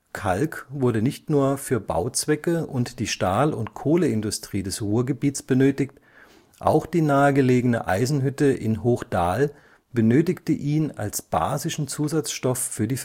Kalk wurde nicht nur für Bauzwecke und die Stahl - und Kohleindustrie des Ruhrgebiets benötigt, auch die nahegelegene Eisenhütte in Hochdahl benötigte ihn als basischen Zusatzstoff für die